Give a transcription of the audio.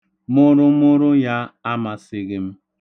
Mụrụmụrụ ya amasịghị m.